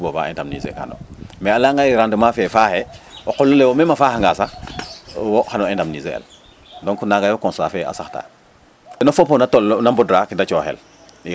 bu booba indamniser kano mais a layanga yee rendement fe faaxee meme a faaxanga sax wo xayo indamniser el donc naga yo constat fe a saxta no fop o tolu na mbodra ke da cooxel